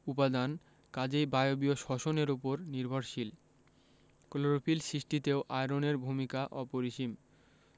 উপাদান কাজেই বায়বীয় শ্বসন এর উপর নির্ভরশীল ক্লোরোফিল সৃষ্টিতেও আয়রনের ভূমিকা অপরিসীম